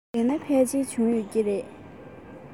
བྱས ན ཕལ ཆེར བྱུང ཡོད ཀྱི རེད